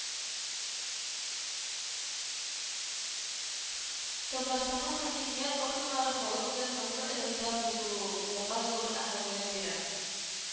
Татарстанның хакимият органнары халык белән ныклы элемтә булдырулырга зур әһәмият бирә